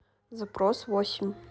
запрос восемь